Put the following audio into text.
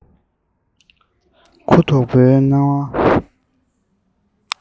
གུ དོག པའི སྣང བ